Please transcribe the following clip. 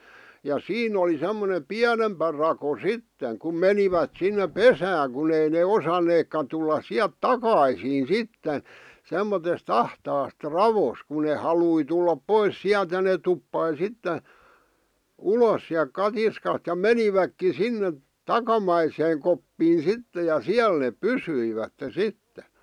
ja siinä oli semmoinen pienempi rako sitten kun menivät sinne pesään kun ei ne osanneetkaan tulla sieltä takaisin sitten semmoisesta ahtaasta raosta kun ne halusi tulla pois sieltä ja ne tuppasi sitten ulos sieltä katiskasta ja menivätkin sinne takamaiseen koppiin sitten ja siellä ne pysyivät sitten